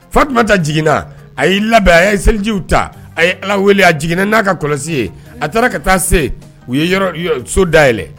Fa tun bɛ ta jiginna a y'i labɛn a y ye selijiw ta a ye ala wele a jigin n'a ka kɔlɔsi ye a taara ka taa se u ye so day